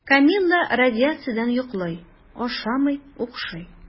Камилла радиациядән йоклый, ашамый, укшый.